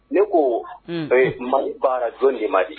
Ne ko man baara jɔn de ma di